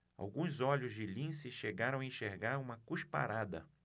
alguns olhos de lince chegaram a enxergar uma cusparada